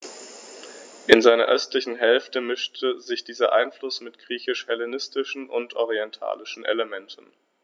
In seiner östlichen Hälfte mischte sich dieser Einfluss mit griechisch-hellenistischen und orientalischen Elementen.